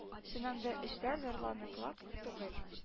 Чыннан да эшләр зарланыклык түгел